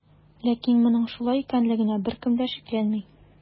Ләкин моның шулай икәнлегенә беркем дә шикләнми.